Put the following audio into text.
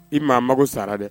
I maa mago sara dɛ!.